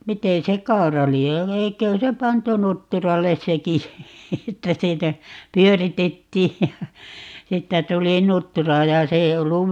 miten se kaura lie eiköhän se pantu nutturalle sekin että siinä pyöritettiin ja siitä tuli nuttura ja se ei ollut